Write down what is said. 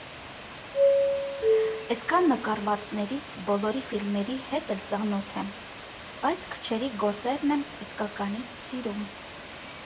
Էսքան նկարվածներից բոլորի ֆիլմերի հետ էլ ծանոթ եմ, բայց քչերի գործերն եմ իսկականից սիրում։